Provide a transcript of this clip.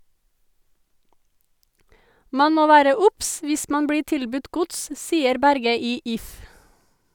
Man må være obs hvis man blir tilbudt gods, sier Berge i If.